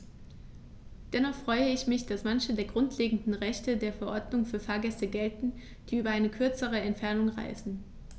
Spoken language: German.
Dennoch freue ich mich, dass manche der grundlegenden Rechte der Verordnung für Fahrgäste gelten, die über eine kürzere Entfernung reisen.